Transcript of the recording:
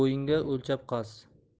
bo'yingga o'lchab qaz